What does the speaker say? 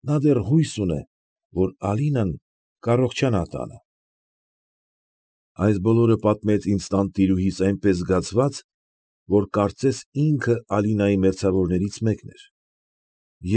Նա դեռ հույս ունե, որ Ալինան կառողջանա տանը… Այս բոլորը պատմեց ինձ տանտիրուհիս այնպես զգացված, որ կարծես ինքը Ալինայի մերձավորներից մեկն էր։